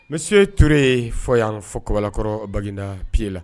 Monsieur Ture fo yan fo Kɔbalakɔrɔ, Baginda pied la